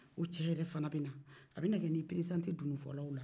o cɛ yɛrɛ fana bɛ na a bɛ na ka na e perezante dunufɔlaw la